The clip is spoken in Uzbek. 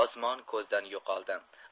osmon ko'zdan yo'qoldi